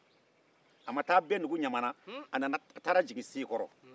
a ma taa bɛndugu ɲamana a taara seekɔrɔ